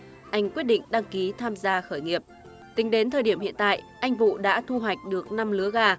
anh quyết định đăng ký tham gia khởi nghiệp tính đến thời điểm hiện tại anh vụ đã thu hoạch được năm lứa gà